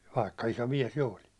vaikka iso mies jo olin